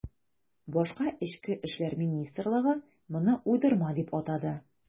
Башта эчке эшләр министрлыгы моны уйдырма дип атады.